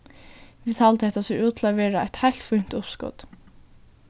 vit halda hetta sær út til at vera eitt heilt fínt uppskot